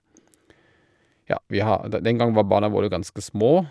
Ja, vi har da den gang var barna våre ganske små.